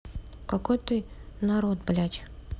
какой ты нарой блядь